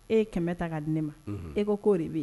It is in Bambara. E ye kɛmɛ ta k' di ne ma e ko de bɛ yen